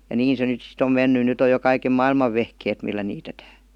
ja niin se nyt sitten on mennyt nyt on jo kaiken maailman vehkeet millä niitetään